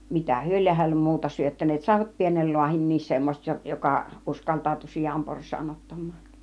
mitä he lie hänelle muuta syöttäneet saivat pienen lahdinkin semmoiset - joka uskaltautui sianporsaan ottamaan